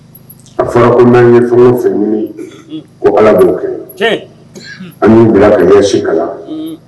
A fɔra ko n' ye fanga fɛ ɲini ko ala dɔw kɛ an b'u bilasi kalan